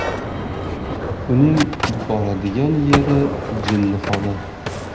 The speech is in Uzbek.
uning boradigan yeri jinnixona